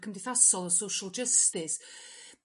cymdeithasol social justice